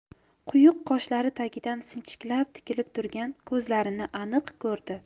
quyuq qoshlari tagidan sinchiklab tikilib turgan ko'zlarini aniq ko'rdi